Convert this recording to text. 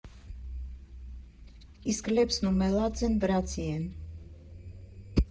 Իսկ Լեպսն ու Մելաձեն վրացի են։